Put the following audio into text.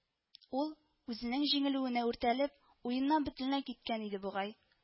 Ул, үзенең җиңелүенә үртәлеп, уеннан бөтенләй киткән иде бугай